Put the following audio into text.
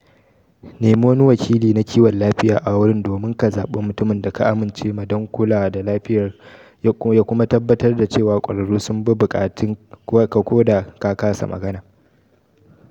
Nemi wani wakili na kiwon lafiya a wurin domin ka zaɓi mutumin da ka amincema don kula da lafiyar ya kuma tabbatar da cewa kwararru sunbi bukatun ka koda ka kasa magana.